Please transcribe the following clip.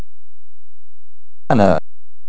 انا